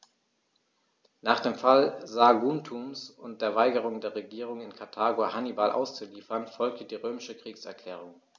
Nach dem Fall Saguntums und der Weigerung der Regierung in Karthago, Hannibal auszuliefern, folgte die römische Kriegserklärung.